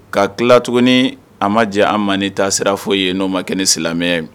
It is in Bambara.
Ka tila tuguni a ma jɛ an man tasira foyi ye n'o ma kɛ ni silamɛ ye